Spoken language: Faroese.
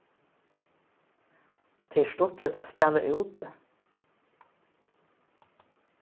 tað er stuttligt at spæla úti